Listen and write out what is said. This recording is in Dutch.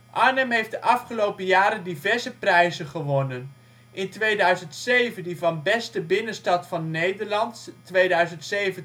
Arnhem heeft de afgelopen jaren diverse prijzen gewonnen. 2007: Beste binnenstad van Nederland 2007-2009